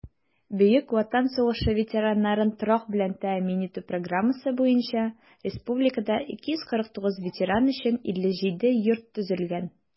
Бөек Ватан сугышы ветераннарын торак белән тәэмин итү программасы буенча республикада 249 ветеран өчен 57 йорт төзелгән.